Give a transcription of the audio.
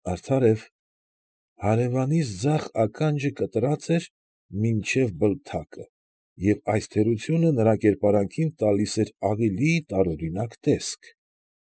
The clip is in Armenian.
Արդարև, հարևանիս ձախ ականջը կտրած էր մինչև բլթակը, և այս թերությունը նրա կերպարանքին տալիս էր ավելի տարօրինակ տեսք։